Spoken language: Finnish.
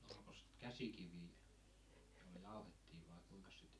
olikos sitä käsikiviä joilla jauhettiin vai kuinkas sitä